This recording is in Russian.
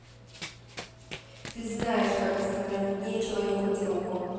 ты знаешь как остановить нечего нюхать руку